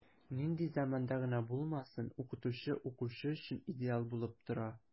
Нинди заманда гына булмасын, укытучы укучы өчен идеал булып тора.